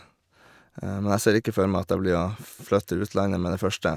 Men jeg ser ikke for meg at jeg blir å flytte til utlandet med det første.